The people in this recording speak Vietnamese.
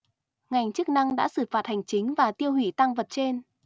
ngành chức năng đã xử phạt hành chính và tiêu hủy tang vật trên